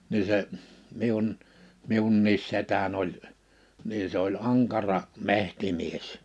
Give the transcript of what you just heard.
niin se minun minunkin setäni oli niin se oli ankara metsämies